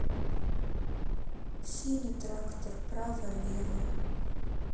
синий трактор право лево